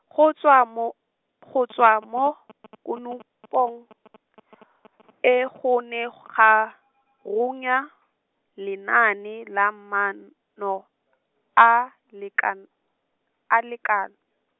go tswa mo, go tswa mo, kono pong, e go ne ga , runya , lenaane la maan- no , a lekan-, a lekala.